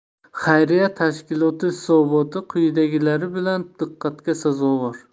xayriya tashkiloti hisoboti quyidagilari bilan diqqatga sazovor